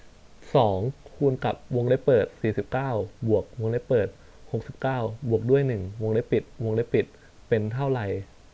สองคูณกับวงเล็บเปิดสี่สิบเก้าบวกวงเล็บเปิดหกสิบเก้าบวกด้วยหนึ่งวงเล็บปิดวงเล็บปิดเป็นเท่าไร